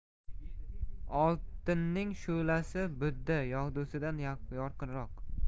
oltinning shulasi budda yog'dusidan yorqinroq